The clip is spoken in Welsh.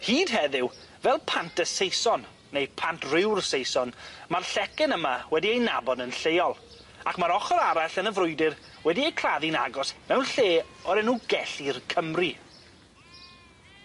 Hyd heddiw fel Pant y Saeson neu Pant Riw'r Saeson ma'r llecyn yma wedi ei nabod yn lleol ac ma'r ochor arall yn y frwydyr wedi ei claddu'n agos mewn lle o'r enw Gelli'r Cymru.